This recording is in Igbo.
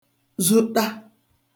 zuṭa